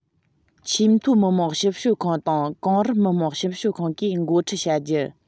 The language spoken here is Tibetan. ཆེས མཐོའི མི དམངས ཞིབ དཔྱོད ཁང དང གོང རིམ མི དམངས ཞིབ དཔྱོད ཁང གིས འགོ ཁྲིད བྱ རྒྱུ